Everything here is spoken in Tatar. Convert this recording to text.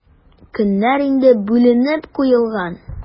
Көннәр инде бүленеп куелган.